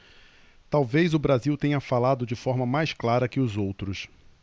talvez o brasil tenha falado de forma mais clara que os outros